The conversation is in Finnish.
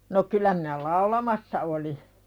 no kyllä minä laulamassa olin